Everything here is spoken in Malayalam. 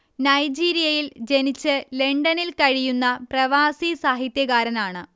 നൈജീരിയയിൽ ജനിച്ച് ലണ്ടനിൽ കഴിയുന്ന പ്രവാസി സാഹിത്യകാരനാണ്